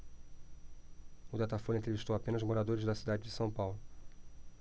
o datafolha entrevistou apenas moradores da cidade de são paulo